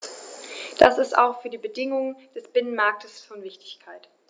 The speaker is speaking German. Das ist auch für die Bedingungen des Binnenmarktes von Wichtigkeit.